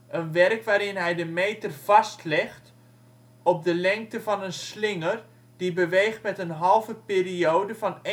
een werk waarin hij de meter vastlegt op de lengte van een slinger die beweegt met een halve periode van